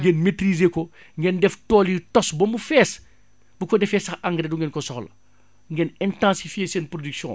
ngeen maitriser ko ngeen def tool yi tos ba mu fees bu ko defee sax engrais du ngeen ko soxla ngeen intensifier seen production